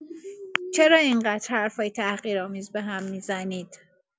چرا اینقدر حرفای تحقیرآمیز به هم می‌زنید؟